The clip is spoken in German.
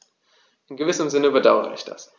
In gewissem Sinne bedauere ich das.